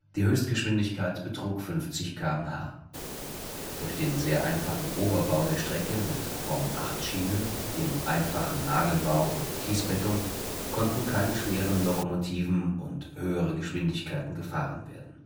Höchstgeschwindigkeit betrug 50 km/h. Durch den sehr einfachen Oberbau der Strecke mit Form-8-Schienen im einfachen Nagelbau und Kiesbettung konnten keine schweren Lokomotiven und höheren Geschwindigkeiten gefahren werden